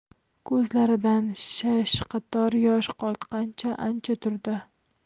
ko'zlaridan shashqator yosh oqqancha ancha turdi